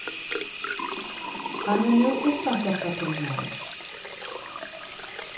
hann er nú uttanflokkatingmaður